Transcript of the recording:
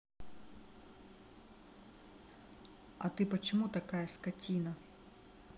а ты почему такая скотина